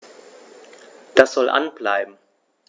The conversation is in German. Das soll an bleiben.